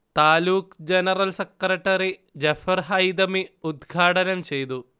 taluk general secretary Jafar Haithami ഉദ്ഘാടനം ചെയ്തു